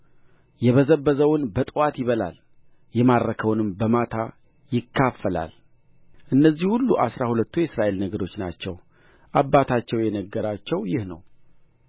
የበዘበዘውን በጥዋት ይበላል የማረከውንም በማታ ይካፈላል እነዚህም ሁሉ አሥራ ሁለቱ የእስራኤል ነገዶች ናቸው አባታቸው የነገራቸው ይህ ነው